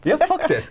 ja faktisk.